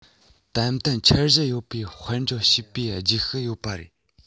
ཏན ཏན འཆར གཞི ཡོད པའི དཔལ འབྱོར བྱས པའི རྗེས ཤུལ ཡོད པ རེད